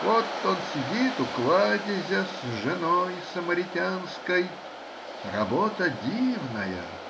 Вот он сидит у кладезя с женой самаритянской — работа дивная